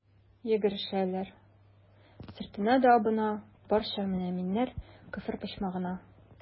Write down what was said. Йөгерешәләр, сөртенә дә абына, барча мөэминнәр «Көфер почмагы»на.